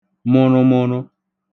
mụṙụmụṙụ